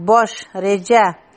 bosh reja